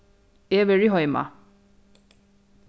eg verði heima